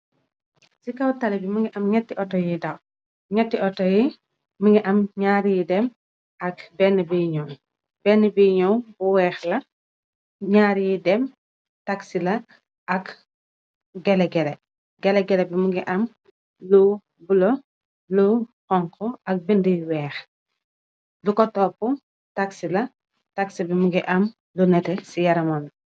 ci kaw tali bi mu ngi am ñetti auto yi daw. ñetti outo yi mi ngi am ñaar yi dem ak benn bi ñow, benn bi ñu bu weex la ñaar yi dem taxila ak gelegere, gelegere bi mu ngi am lu bula, lu xonko ak bind weex. lu ko topp taxila, tax bi mu ngi am lu nete ci yaramoon.